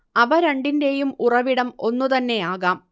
അവ രണ്ടിന്റേയും ഉറവിടം ഒന്നുതന്നെയാകാം